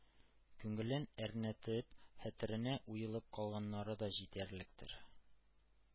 Күңелен әрнетеп, хәтеренә уелып калганнары да җитәрлектер.